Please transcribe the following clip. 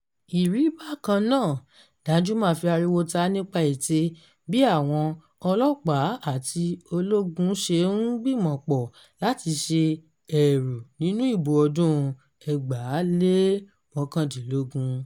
Ìrí-bá-kan-náà, Danjuma fi ariwo ta nípa ète bí àwọn “ọlọ́pàá àti ológun” ṣe ń gbìmọ̀pọ̀ láti ṣe ẹ̀rú nínú ìbò ọdún 2019.